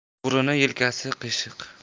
o'g'rining yelkasi qiyshiq